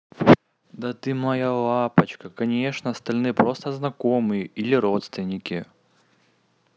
да ты моя лапочка конечно остальные просто знакомые или родственники